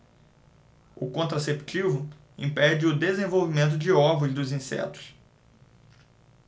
o contraceptivo impede o desenvolvimento de ovos dos insetos